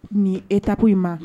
Nii étape ma